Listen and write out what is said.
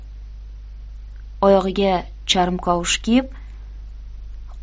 oyog'iga charm kavush kiyib